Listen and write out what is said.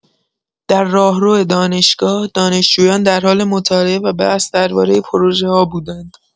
در راهرو دانشگاه، دانشجویان در حال مطالعه و بحث درباره پروژه‌ها بودند.